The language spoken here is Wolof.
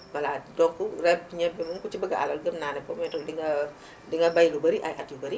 voilà donc ren ñebe moom ku ci bëgg alal gëm naa ne boo moytuwul dinga dinga bay lu bari ay at yu bari